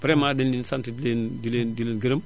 vraiment dañu leen di sant di leen di leen di leen gërëm